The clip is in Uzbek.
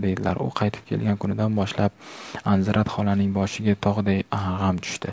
u qaytib kelgan kunidan boshlab anzirat xolaning boshiga tog'day g'am tushdi